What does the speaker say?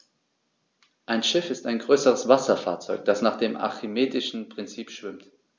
Ein Schiff ist ein größeres Wasserfahrzeug, das nach dem archimedischen Prinzip schwimmt.